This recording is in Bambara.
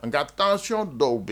Nka ka taayon dɔw bɛ